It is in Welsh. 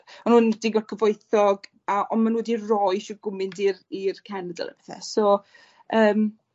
o'n nw'n digon cyfoethog a on' ma' nw wedi roi shwd gwment i'r i'r cenedl a pethe so yym.